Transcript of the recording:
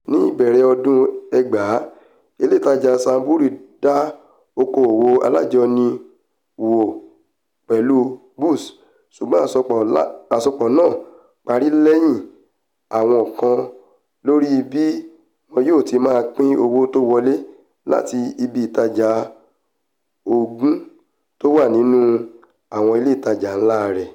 Ni ìbẹ̀rẹ̀ àwọn ọdún 2000,ilé ìtaja Sainsbury dán oko-òwò alájọni wò pẹ̀lu Boots sùgbọ́n àsopọ náà pári lẹ́yìn aáwọ̀ kan lórí bí wọn yóò tí máa pín owó tó ńwọlé láti ibi ìtajà oogun tówà nínú àwọn ilé ìtajà ńlá rè̀.